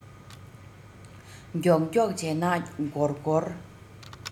མགྱོགས མགྱོགས བྱས ན འགོར འགོར